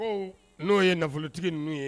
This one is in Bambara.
Ko n'o ye nafolotigi n ninnu ye